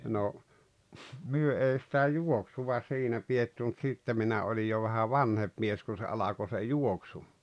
no me ei sitä juoksua siinä pidetty mutta sitten minä olin jo vähän vanhempi mies kun se alkoi se juoksu